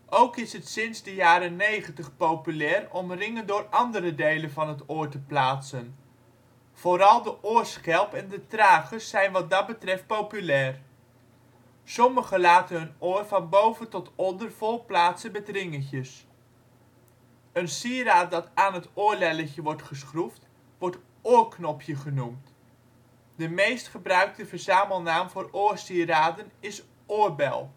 Ook is het sinds de jaren 90 populair om ringen door andere delen van het oor te plaatsen. Vooral de oorschelp en tragus zijn wat dat betreft populair. Sommigen laten hun oor van boven tot onder vol plaatsen met ringetjes. Een sieraad dat aan het oorlelletje wordt geschroefd wordt oorknop (je) genoemd, de meest gebruikte verzamelnaam voor oorsieraden is oorbel